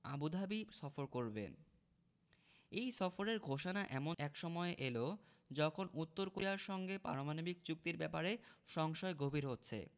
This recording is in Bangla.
আবুধাবি সফর করবেন এই সফরের ঘোষণা এমন এক সময়ে এল যখন উত্তর কোরিয়ার সঙ্গে পারমাণবিক চুক্তির ব্যাপারে সংশয় গভীর হচ্ছে